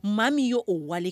Maa min y' oo wale